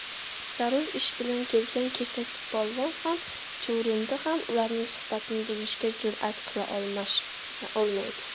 zarur ish bilan kelgan kesakpolvon ham chuvrindi ham ularning suhbatini buzishga jur'at qila olishmaydi